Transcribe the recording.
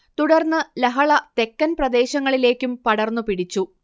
തുടർന്ന് ലഹള തെക്കൻ പ്രദേശങ്ങളിലേക്കും പടർന്നു പിടിച്ചു